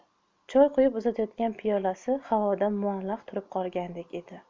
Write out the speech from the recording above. choy quyib uzatayotgan piyolasi havoda muallaq turib qolgandak edi